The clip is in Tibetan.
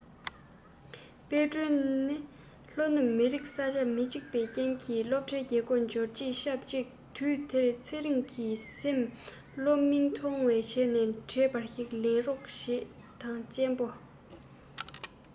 དཔལ སྒྲོན ནི ལྷོ ནུབ མི རིགས ས ཆ མི གཅིག པའི རྐྱེན གྱི སློབ གྲྭའི རྒྱལ སྒོར འབྱོར རྗེས ཆབ གཅིག དུས དེར ཚེ རིང གི སེམས སློབ མིང མཐོང བ བྱས ནས འདྲ པར ཞིག ལེན རོགས བྱེད དང གཅེན པོ